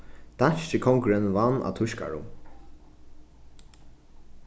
danski kongurin vann á týskarum